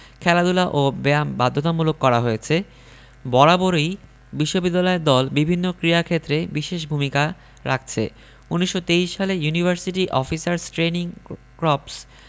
খেলাধুলা ও ব্যায়াম বাধ্যতামূলক করা হয়েছে বরাবরই বিশ্ববিদ্যালয় দল বিভিন্ন ক্রীড়াক্ষেত্রে বিশেষ ভূমিকা রাখছে ১৯২৩ সালে ইউনিভার্সিটি অফিসার্স ট্রেইনিং ক্রপ্স